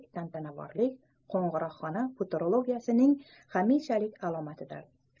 tantanavorlik qo'ng'iroqxona futurologiyasining hamishalik alomatlaridir